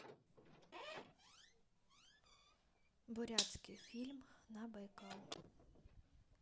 бурятский фильм на байкал